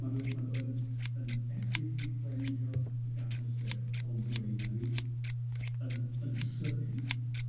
Ma' nw ma' nw yn yn ethnically clensio y Gaza Strip o'n blaena' ni yn yn sydyn,